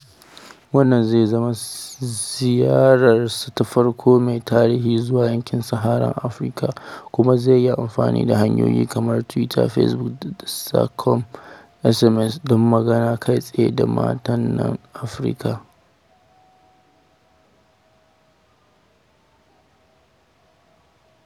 Wannan zai zama ziyararsa ta farko mai tarihi zuwa Yankin Saharar Afirka, kuma zai yi amfani da hanyoyi kamar Twitter, Facebook, da saƙon SMS don magana kai tsaye da matanan Afirka.